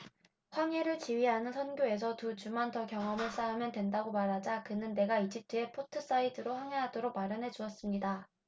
항해를 지휘하는 선교에서 두 주만 더 경험을 쌓으면 된다고 말하자 그는 내가 이집트의 포트사이드로 항해하도록 마련해 주었습니다